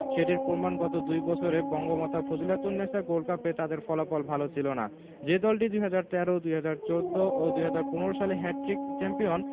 সেটির প্রমাণ গত দুই বছরে বঙ্গমাতা ফজিলাতুন্নেছা গোল্ড কাপে তাদের ফলাফল ভালো ছিল না যে দলটি ২০১৩ ২০১৪ ও ২০১৫ সালে হ্যাটট্রিক চ্যাম্পিয়ন